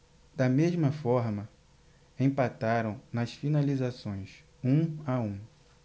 da mesma forma empataram nas finalizações um a um